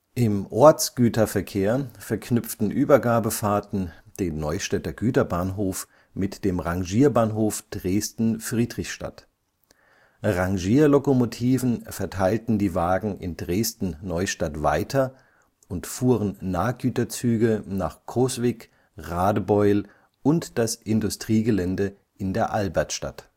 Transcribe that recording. Im Ortsgüterverkehr verknüpften Übergabefahrten den Neustädter Güterbahnhof mit dem Rangierbahnhof Dresden-Friedrichstadt. Rangierlokomotiven verteilten die Wagen in Dresden-Neustadt weiter und fuhren Nahgüterzüge nach Coswig, Radebeul und das Industriegelände in der Albertstadt